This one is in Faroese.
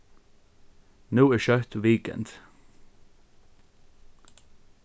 nú er skjótt weekend